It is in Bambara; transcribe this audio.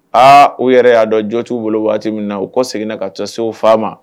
Aa u yɛrɛ y'a dɔn jo t'u bolo waati min na u ko seginna ka taa se fa ma